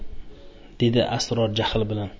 dedi sror jahl bilan